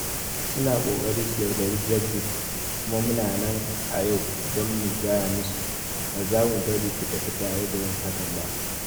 Suna ƙoƙari su yaudari Brexit kuma mu na nan a yau don mu gaya musu' ba za mu bari ku tafi tare da yin haka ba '.